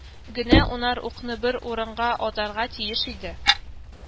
Генә унар укны бер урынга атарга тиеш иде